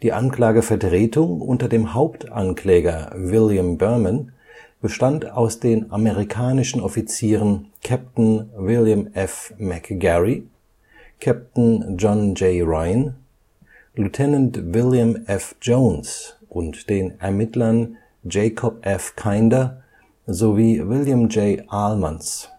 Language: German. Anklagevertretung unter dem Hauptankläger William Berman bestand aus den amerikanischen Offizieren Captain William F. McGarry, Capt. John J. Ryan, Lt. William F. Jones und den Ermittlern Jacob F. Kinder sowie William J. Aalmans